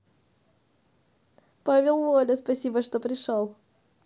павел воля спасибо что пришел